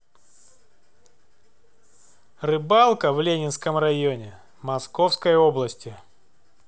рыбалка в ленинском районе московской области